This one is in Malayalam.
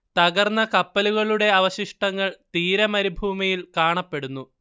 തകർന്ന കപ്പലുകളുടെ അവശിഷ്ടങ്ങൾ തീര മരുഭൂമിയിൽ കാണപ്പെടുന്നു